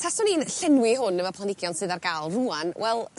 taswn i'n llenwi hwn efo planhigion sydd ar ga'l rŵan wel